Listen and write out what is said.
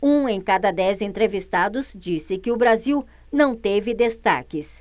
um em cada dez entrevistados disse que o brasil não teve destaques